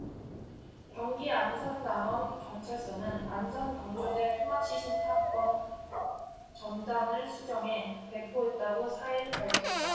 경기 안산단원경찰서는 안산 방조제 토막시신 사건 전단을 수정해 배포했다고 사 일 밝혔다